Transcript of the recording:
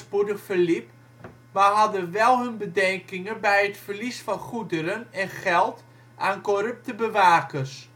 verliep, maar hadden wel hun bedenkingen bij het verlies van goederen en geld aan corrupte bewakers